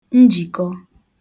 njìkọ